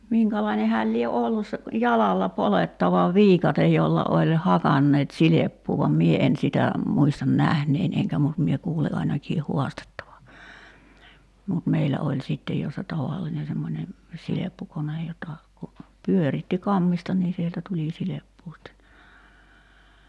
minkälainen hän lie ollut se jalalla poljettava viikate jolla oli hakanneet silppua vaan minä en sitä muista nähneeni enkä mutta minä kuulin ainakin haastettavan mutta meillä oli sitten jo se tavallinen semmoinen silppukone jota kun pyöritti kammesta niin sieltä tuli silppua sitten niin